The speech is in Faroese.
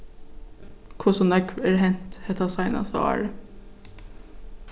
hvussu nógv er hent hetta seinasta árið